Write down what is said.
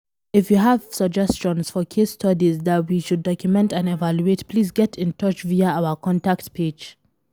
If you have suggestions for case studies that we should document and evaluate please get in touch via our contact page.